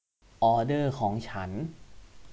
ออเดอร์ของฉัน